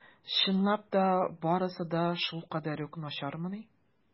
Чынлап та барысы да шулкадәр үк начармыни?